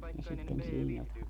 ja sitten siinä